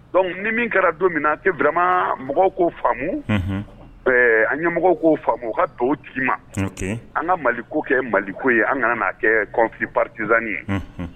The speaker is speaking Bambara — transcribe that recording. Dɔnku ni min kɛra don min na a teurama mɔgɔw ko faamu an ɲɛ mɔgɔw ko faamu u ka don tigi ma an ka mali ko kɛ maliko ye an ka'a kɛ kɔnfi partiznin ye